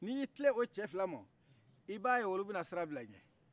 n'i y'i tilen o cɛ fila ma i b'a ye olu bɛ na sira bila i ɲɛ